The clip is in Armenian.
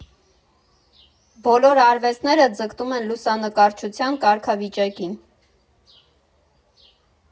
Բոլոր արվեստները ձգտում են լուսանկարչության կարգավիճակին։